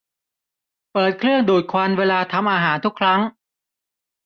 เปิดเครื่องดูดควันเวลาทำอาหารทุกครั้ง